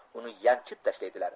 uni yanchib tashlaydilar